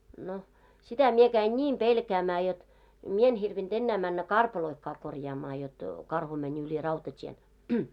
no sitä minä kävin niin pelkäämään jotta minä en hirvinnyt enää mennä karpaloitakaan korjaamaan jotta karhu meni yli rautatien